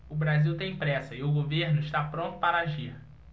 o brasil tem pressa e o governo está pronto para agir